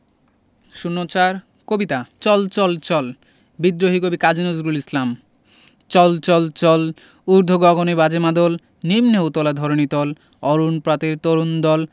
০৪ কবিতা চল চল চল বিদ্রোহী কবি কাজী নজরুল ইসলাম চল চল চল ঊর্ধ্ব গগনে বাজে মাদল নিম্নে উতলা ধরণি তল অরুণ প্রাতের তরুণ দল